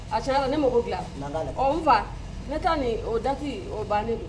A tiɲɛ kan ne mago bila n fa ne taa nin o dante o bannen don